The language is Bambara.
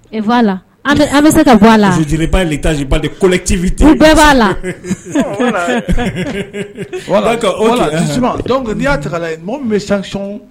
La an bɛ se ka bɔ lasibatibi bɛɛ b'a lai y'a bɛ sanc